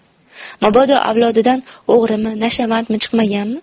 mabodo avlodidan o'g'rimi nashavandmi chiqmaganmi